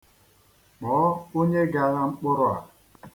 Kpọọ onye ga-agha mkpụrụ a.